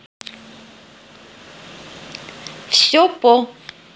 все по